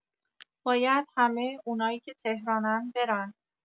باید همه اونایی که تهرانن برن